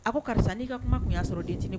A ko karisa n'i ka kuma tun y'a sɔrɔ deniniinin